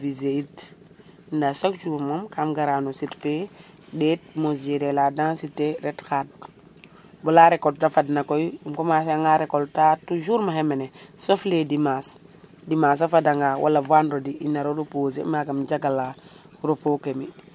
visiter it chaque jour mom kam gara no sit fe ɗet mesurer la densité ret xad bala recolte fad na koy um commencer anga recolte a toujours maxey mene sauf les dimanche dimanche a fada nga wala vendredi i naro reposer magam jagala repos ke mi